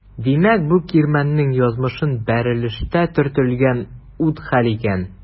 Димәк бу кирмәннең язмышын бәрелештә төртелгән ут хәл иткән.